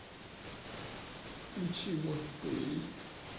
включи мой плейлист